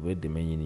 O ye dɛmɛ ɲini